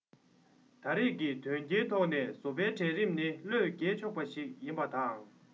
ད རེས ཀྱི དོན རྐྱེན ཐོག ནས བཟོ པའི གྲལ རིམ ནི བློས འགེལ ཆོག པ ཞིག ཡིན པ དང